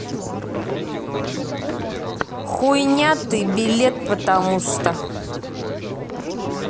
хуйня ты билет потому что